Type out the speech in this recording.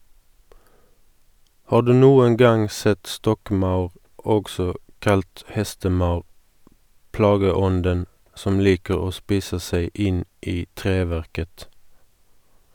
Har du noen gang sett stokkmaur, også kalt hestemaur, plageånden som liker å spise seg inn i treverket?